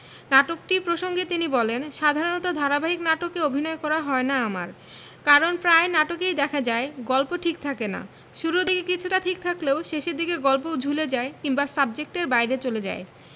নাটকটি প্রসঙ্গে তিনি বলেন সাধারণত ধারাবাহিক নাটকে অভিনয় করা হয় না আমার কারণ প্রায় নাটকেই দেখা যায় গল্প ঠিক থাকে না শুরুর দিকে কিছুটা ঠিক থাকলেও শেষের দিকে গল্প ঝুলে যায় কিংবা সাবজেক্টের বাইরে চলে যায়